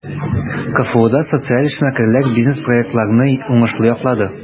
КФУда социаль эшмәкәрләр бизнес-проектларны уңышлы яклады.